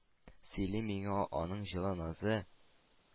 Сөйли миңа аның җылы назы